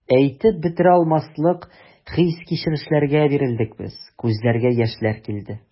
Әйтеп бетерә алмаслык хис-кичерешләргә бирелдек без, күзләргә яшьләр килде.